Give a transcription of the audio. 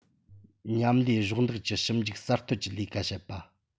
མཉམ ལས གཞོགས འདེགས ཀྱིས ཞིབ འཇུག གསར གཏོད ཀྱི ལས ཀ བྱེད པ